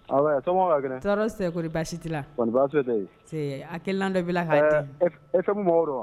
Ɔri baasi a dɔ